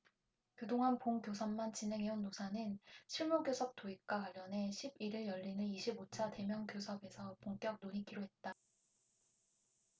그 동안 본교섭만 진행해온 노사는 실무교섭 도입과 관련해 십 일 일 열리는 이십 오 차 대면교섭에서 본격 논의키로 했다